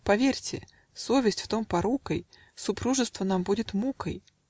Поверьте (совесть в том порукой), Супружество нам будет мукой.